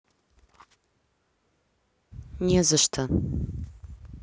не за что